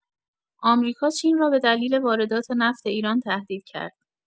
آمریکا، چین را به دلیل واردات نفت ایران تهدید کرد